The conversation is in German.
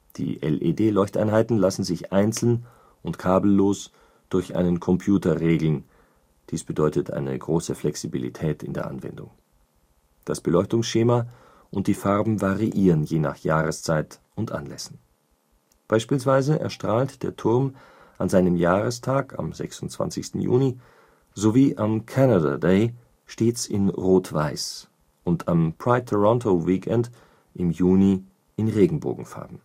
Die LED-Leuchteinheiten lassen sich einzeln und kabellos durch einen Computer regeln, dies bedeutet eine große Flexibilität in der Anwendung. Das Beleuchtungsschema und die Farben variieren je nach Jahreszeit und Anlässen. Beispielsweise erstrahlt der Turm an seinem Jahrestag am 26. Juni sowie am Canada Day stets in rot-weiß und am Pride Toronto Weekend im Juni in Regenbogenfarben